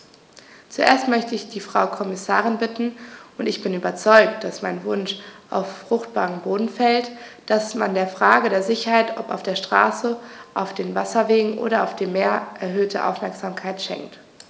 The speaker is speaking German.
Zuerst möchte ich die Frau Kommissarin bitten - und ich bin überzeugt, dass mein Wunsch auf fruchtbaren Boden fällt -, dass man der Frage der Sicherheit, ob auf der Straße, auf den Wasserwegen oder auf dem Meer, erhöhte Aufmerksamkeit schenkt.